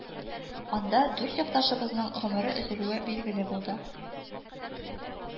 Анда дүрт якташыбызның гомере өзелүе билгеле булды